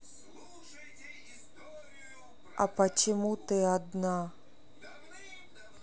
а почему ты одна